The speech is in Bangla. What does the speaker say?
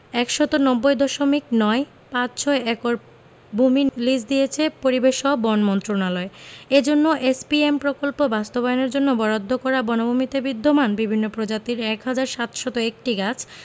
১৯০ দশমিক নয় পাঁচ ছয় একর ভূমি লিজ দিয়েছে পরিবেশ ও বন মন্ত্রণালয় এজন্য এসপিএম প্রকল্প বাস্তবায়নের জন্য বরাদ্দ করা বনভূমিতে বিদ্যমান বিভিন্ন প্রজাতির ১ হাজার ৭০১টি গাছ